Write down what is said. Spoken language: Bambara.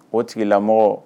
O tigi lamɔgɔ